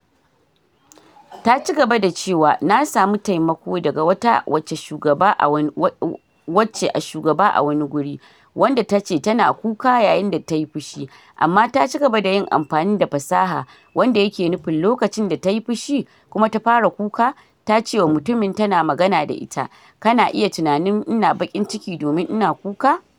Ta ci gaba da cewa, "Na samu taimako daga wata wacce shugaba a wani guri, wanda ta ce tana kuka yayin da ta yi fushi, amma ta ci gaba da yin amfani da fasaha wanda yake nufin lokacin da ta yi fushi kuma ta fara kuka, ta ce wa mutumin tana magana da ita, "Kana iya tunanin ina bakin ciki domin ina kuka.